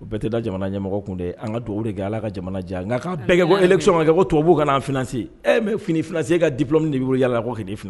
U bɛɛ tɛ da jamana ɲɛmɔgɔ kun dɛ, an ka dugawu de kɛ allah ka jamana diya, nka k'an bɛɛ ka bɔ ko electio ko tubabubu ka na financer e min bɛ fini froisé e ka dplome de b'i bolo yala la koka na e financer?